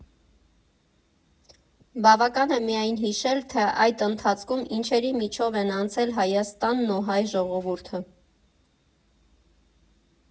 Բավական է միայն հիշել, թե այդ ընթացքում ինչերի միջով են անցել Հայաստանն ու հայ ժողովուրդը։